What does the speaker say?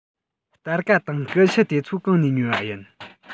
སྟར ཁ དང ཀུ ཤུ དེ ཚོ གང ནས ཉོས པ ཡིན